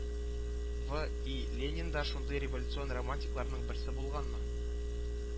Вэ И Ленин да шундый революцион романтикларның берсе булганмы